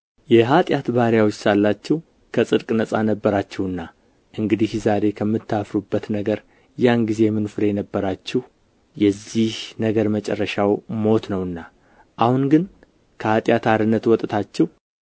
የኃጢአት ባሪያዎች ሳላችሁ ከጽድቅ ነፃ ነበራችሁና እንግዲህ ዛሬ ከምታፍሩበት ነገር ያን ጊዜ ምን ፍሬ ነበራችሁ የዚህ ነገር መጨረሻው ሞት ነውና አሁን ግን ከኃጢአት አርነት ወጥታችሁ